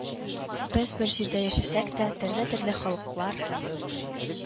Без бер җирдә яшәсәк тә, төрле-төрле халыклар